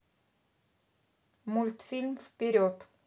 мультфильм вперед